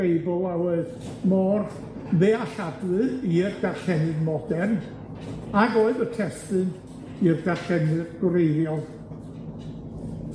Beibl a oedd mor ddealladwy i'r darllenydd modern ag oedd y testun i'r darllenwyr gwreiddiol.